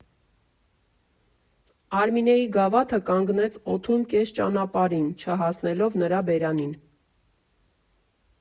Արմինեի գավաթը կանգնեց օդում կես ճանապարհին՝ չհասնելով նրա բերանին։